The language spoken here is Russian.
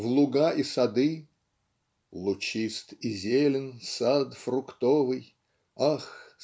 в луга и сады ("лучист и зелен сад фруктовый ах